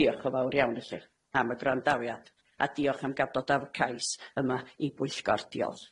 Diolch o fawr iawn ichi am y gwrandawiad, a diolch am ga'l dod a'r cais yma i bwyllgor, diolch.